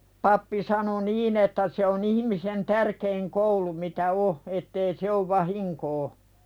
pappi sanoi niin että se on ihmisen tärkein koulu mitä on että ei se ole vahinkoa